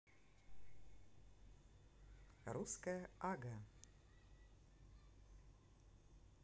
русская ага